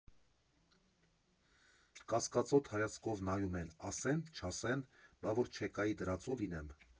Կասկածոտ հայացքով նայում են՝ ասեն֊չասե՞ն, բա որ չեկայի դրածո լինե՞մ։